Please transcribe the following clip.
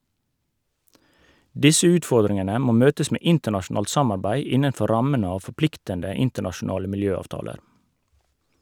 Disse utfordringene må møtes med internasjonalt samarbeid innenfor rammen av forpliktende internasjonale miljøavtaler.